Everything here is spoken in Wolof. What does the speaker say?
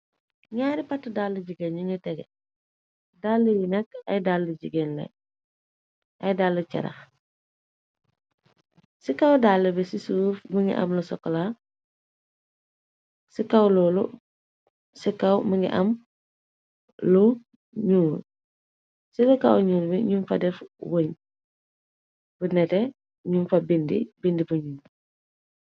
Nyaari pat dallu jigen ñungi tege dalla yi nekk ay dall carax ci kaw dall bi ci suuf m ngi am lu sokla ci kawlolu ci kaw më ngi am lu ñuul ci li kaw ñyuul bi ñum fa def bu nete ñu fa bind bu ñyul